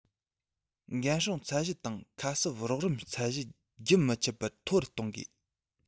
འགན སྲུང ཚད གཞི དང ཁ གསབ རོགས རམ ཚད གཞི རྒྱུན མི འཆད པར མཐོ རུ གཏོང དགོས